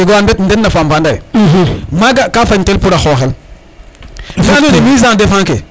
a jega wa ndem mafa anda ye maga ka fañtel pour a xoxel we ando naye mis en defend ke